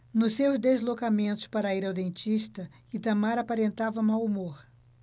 nos seus deslocamentos para ir ao dentista itamar aparentava mau humor